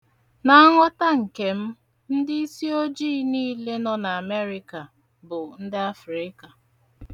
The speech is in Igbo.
Na nghọta nke m, ndị isi ojii niile nọ n'Amerịka bụ ndị Afịrịka.